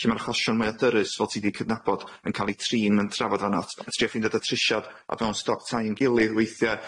lle ma'r achosion mwya dyrys, fel ti 'di cydnabod, yn ca'l 'u trin yn trafod fan'na. S- t- trio ffeindio datrysiad o fewn stoc tai ein gilydd weithie,